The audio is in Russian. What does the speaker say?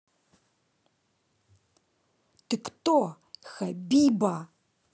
ты кто хабиба